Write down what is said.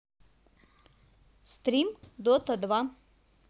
стрим дота два